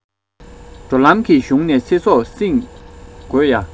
འགྲོ ལམ གྱི གཞུང ནས ཚེ སྲོག བསྲིང དགོས ཡ